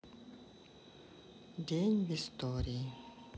день в истории